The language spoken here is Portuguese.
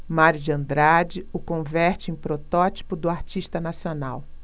mário de andrade o converte em protótipo do artista nacional